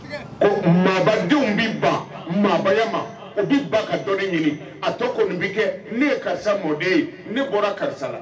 Ko maadenw bɛ ban maa ma o bɛ ba ka dɔnni ɲini a tɔ ko bɛ kɛ ne ye karisa mɔden ye ne bɔra karisa la